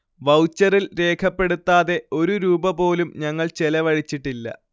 വൗച്ചറിൽ രേഖപ്പെടുത്താതെ ഒരു രൂപ പോലും ഞങ്ങൾ ചെലവഴിച്ചിട്ടില്ല